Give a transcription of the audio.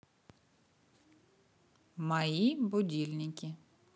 мои будильники